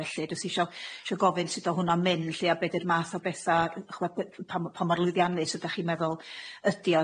felly jyst isio isio gofyn sut o' hwnna'n mynd lly a be' di'r math o betha' ch'mod be- pa ma' pa mor lwyddianus ydach chi'n meddwl ydi o,